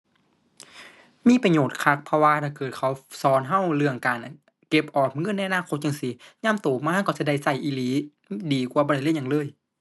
มีประโยชน์คัก เพราะว่าถ้าเกิดเขาสอนเราเรื่องการเก็บออมเงินในอนาคตจั่งซี้ ยามโตมาก็จะได้เราอีหลี ดีกว่าบ่ได้เรียนหยังเลย